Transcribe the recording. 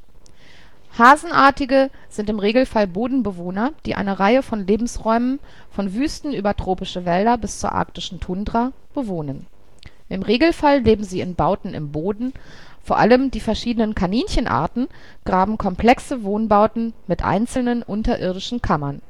Hasenartige sind im Regelfall Bodenbewohner, die eine Reihe von Lebensräumen - von Wüsten über tropische Wälder bis zur arktischen Tundra - bewohnen. Im Regelfall leben sie in Bauten im Boden, vor allem die verschiedenen Kaninchenarten graben komplexe Wohnbauten mit einzelnen unterirdischen Kammern